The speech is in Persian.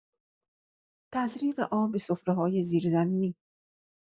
تزریق آب به سفره‌های زیرزمینی